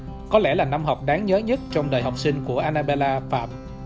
có lẽ là năm học đáng nhớ nhất trong đời học sinh của an na beo la phạm